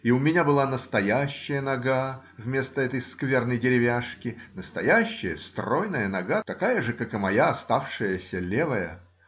И у меня была настоящая нога вместо этой скверной деревяшки, настоящая стройная нога, такая же, как и моя оставшаяся левая.